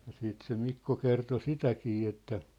ja sitten se Mikko kertoi sitäkin että